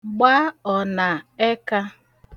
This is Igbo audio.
gba ọ̀nà ẹkā